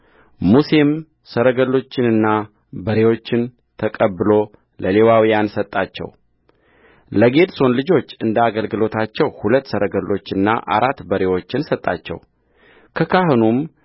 ሙሴም ሰረገሎችንና በሬዎችን ተቀብሎ ለሌዋውያን ሰጣቸውለጌድሶን ልጆች እንደ አገልግሎታቸው ሁለት ሰረገሎችንና አራት በሬዎችን ሰጣቸውከካህኑም